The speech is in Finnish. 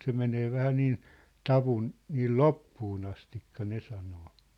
se menee vähän niin tavun niin loppuun asti ne sanoo